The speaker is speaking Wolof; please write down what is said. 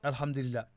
alhamdulilah